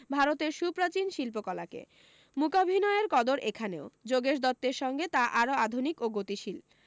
ভারতের সুপ্রাচীন শিল্পকলাকে মূকাভিনয়ের কদর এখনও যোগেশ দত্তের সঙ্গে তা আরও আধুনিক ও গতিশীল